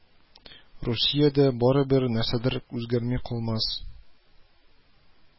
Русиядә барыбер нәрсәдер үзгәрми калмас